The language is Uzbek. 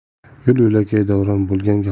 yo'l yo'lakay davron bo'lgan